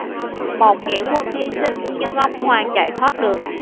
một nghĩa quân hy sinh nhưng ông hoàng chạy thoát được